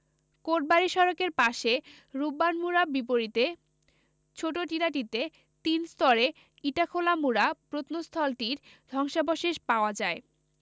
কোটবাড়ি সড়কের পাশে রূপবান মুড়ার বিপরীতে ছোট টিলাটিতে তিন স্তরে ইটাখোলামুড়া প্রত্নস্থলটির ধ্বংসাবশেষ পাওয়া যায়